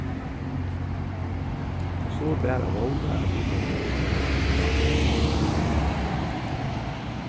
og so er bara at vóna at viðkomandi verður glaður fyri gávuna